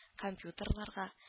Компьютерларга